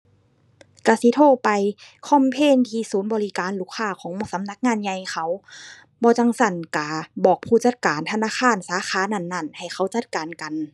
ก็สิโทรไปคอมเพลนที่ศูนย์บริการลูกค้าของสำนักงานใหญ่เขา บ่จั่งซั้นก็ บอกผู้จัดการธนาคารสาขานั้นนั้นให้เขาจัดการกัน